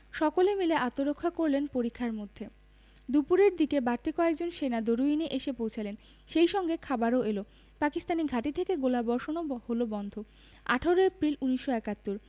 সকলে মিলে আত্মরক্ষা করলেন পরিখার মধ্যে দুপুরের দিকে বাড়তি কয়েকজন সেনা দরুইনে এসে পৌঁছালেন সেই সঙ্গে খাবারও এলো পাকিস্তানি ঘাঁটি থেকে গোলাবর্ষণও হলো বন্ধ ১৮ এপ্রিল ১৯৭১